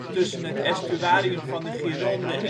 tussen het estuarium van de Gironde